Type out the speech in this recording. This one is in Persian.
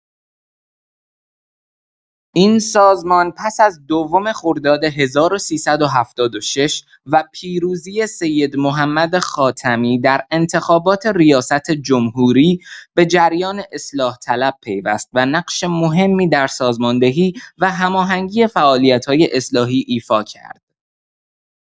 این سازمان پس از دوم خرداد ۱۳۷۶ و پیروزی سیدمحمد خاتمی در انتخابات ریاست‌جمهوری، به جریان اصلاح‌طلب پیوست و نقش مهمی در سازماندهی و هماهنگی فعالیت‌های اصلاحی ایفا کرد.